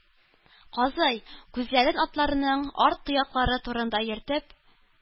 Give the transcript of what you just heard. Казый, күзләрен атларның арт тояклары турында йөртеп: